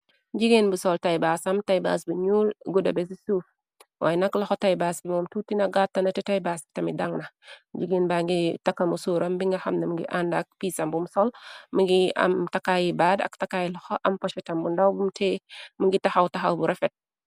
Jigeen bu sol taybaasam taybaas bu nyuulguddha be ci suuf waay nag loxo taybaas gi moom tuuti na gaatta na te taybaas bi tami daŋ na jigeen ba ngi takamu suuram bi nga xamnangi ànd ak piisam bum sol mingi am takaayi baad ak takaay laxo am poshetam bu ndaw u m ngi taxaw taxaw bu refet.